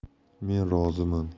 men roziman